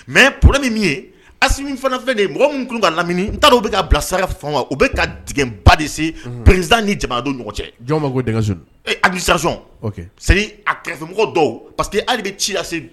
Mais problème ye min ye Assimi fana filɛ nin ye mɔgɔ munnu klen k'a lamini n t'a dɔn u be k'a bila sira f fan wa u be ka diŋɛnba de seen unhun président ni jamanadenw ni ɲɔgɔn cɛ jɔn bɛ k'o diŋɛ sen dun ee administration ok segii a kɛrɛfɛ mɔgɔ dɔw parce que hali i be ci lase